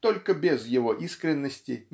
только без его искренности